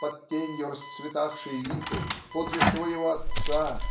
под тенью расцветавшей липы подле своего отца